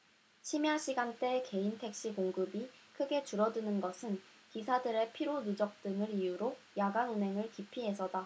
심야시간대 개인택시 공급이 크게 줄어드는 것은 기사들이 피로 누적 등을 이유로 야간 운행을 기피해서다